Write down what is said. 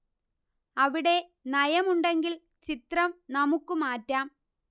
അവിടെ നയം ഉണ്ടെങ്കിൽ ചിത്രം നമുക്ക് മാറ്റാം